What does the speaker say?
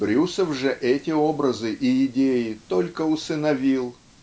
-- Брюсов же эти образы и идей только усыновил